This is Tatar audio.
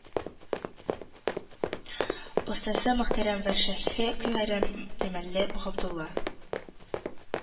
Остазы мохтәрәм вә шәйхе мөкәррәм дамелля габдулла